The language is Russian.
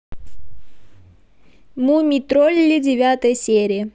мумий тролли девятая серия